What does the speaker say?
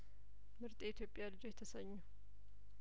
ምርጥ የኢትዮጵያ ልጆች ተሰኙ